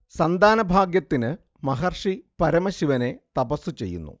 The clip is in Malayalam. സന്താനഭാഗ്യത്തിനു മഹർഷി പരമശിവനെ തപസ്സു ചെയ്യുന്നു